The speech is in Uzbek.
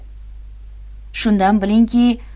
shundan bilingki